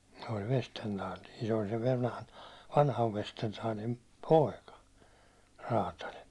se oli Vestendal se oli sen vanhan vanhan Vestendalin poika räätäli